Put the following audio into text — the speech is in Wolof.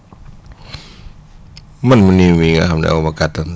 man néew mii nga xam ne aw ma kattan